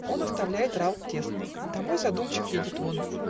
Он оставляет раут тесный, Домой задумчив едет он